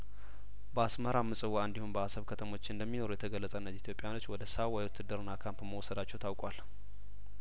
በአስመራ ምጽዋ እንዲሁም አሰብ ከተሞች እንደሚኖሩ የተገለጸው እነዚህ ኢትዮጵያውያን ወደ ሳዋ የውትድርና ካምፕ መወሰዳቸውም ታውቋል